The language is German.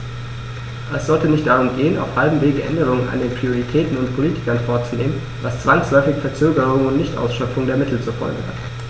Es sollte nicht darum gehen, auf halbem Wege Änderungen an den Prioritäten und Politiken vorzunehmen, was zwangsläufig Verzögerungen und Nichtausschöpfung der Mittel zur Folge hat.